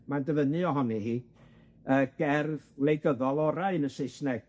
mae'n dyfynnu ohoni hi y gerdd wleidyddol orau yn y Saesneg